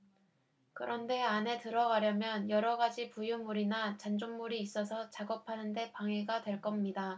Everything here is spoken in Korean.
그런데 안에 들어가려면 여러 가지 부유물이나 잔존물이 있어서 작업하는 데 방해가 될 겁니다